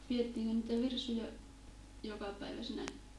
pidettiinkö niitä virsuja jokapäiväisinä